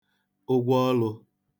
ụgwọ ọlụ